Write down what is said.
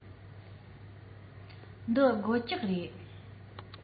འདི སྒོ ལྕགས རེད